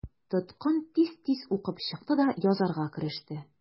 Тоткын тиз-тиз укып чыкты да язарга кереште.